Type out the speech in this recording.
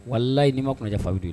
Wala i'i ma fawu don ye